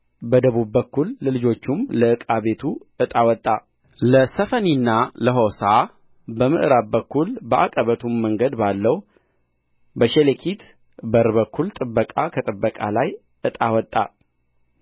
በደቡብ በኩል ለልጆቹም ለዕቃ ቤቱ ዕጣ ወጣ ለሰፊንና ለሖሳ በምዕራብ በኩል በዐቀበቱም መንገድ ባለው በሸሌኬት በር በኩል ጥበቃ ከጥበቃ ላይ ዕጣ ወጣ